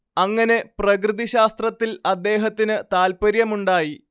അങ്ങനെ പ്രകൃതി ശാസ്ത്രത്തിൽ അദ്ദേഹത്തിന് താല്പര്യമുണ്ടായി